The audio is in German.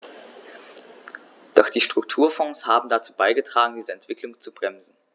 Doch die Strukturfonds haben dazu beigetragen, diese Entwicklung zu bremsen.